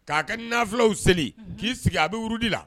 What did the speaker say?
K'a ka nafiw seli k'i sigi a bɛurudi la